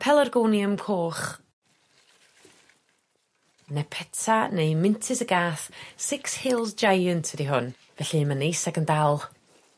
Pelargonium coch. Nepeta neu mintys y gath Six Hills Giant ydi hwn, felly ma'n neis ac yn dal.